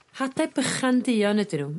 Hade bychan duon ydyn n'w